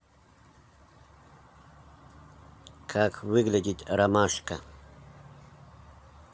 как выглядит ромашка